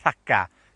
Rhaca.